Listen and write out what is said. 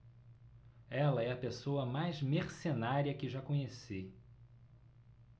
ela é a pessoa mais mercenária que já conheci